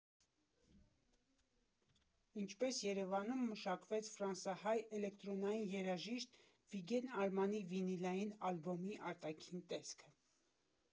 Ինչպես Երևանում մշակվեց ֆրանսահայ էլեկտրոնային երաժիշտ Վիգեն Արմանի վինիլային ալբոմի արտաքին տեսքը։